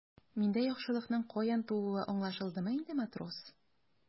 Миндә яхшылыкның каян тууы аңлашылдымы инде, матрос?